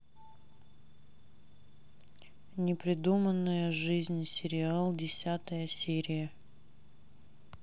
непридуманная жизнь сериал десятая серия